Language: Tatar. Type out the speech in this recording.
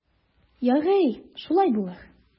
Ярый, шулай булыр.